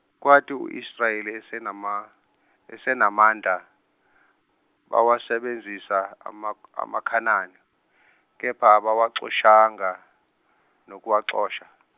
kwathi u Israyeli esenama esenamandla bawasebenzisa ama amaKhanani kepha abawaxoshanga nokuwaxosha.